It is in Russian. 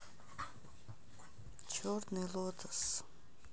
черный лотос